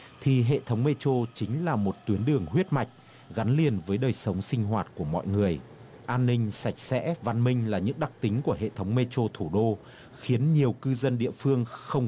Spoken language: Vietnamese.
thì hệ thống mê trô chính là một tuyến đường huyết mạch gắn liền với đời sống sinh hoạt của mọi người an ninh sạch sẽ văn minh là những đặc tính của hệ thống mê trô thủ đô khiến nhiều cư dân địa phương không